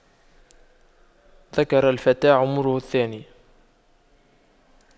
ذكر الفتى عمره الثاني